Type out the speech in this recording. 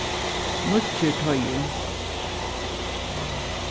nýggjur teigur